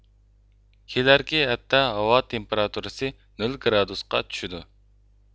كېلەركى ھەپتە ھاۋا تېمپراتۇرىسى نۆل گرادۇسقا چۈشىدۇ